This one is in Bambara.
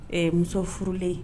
Ɛɛ muso furulen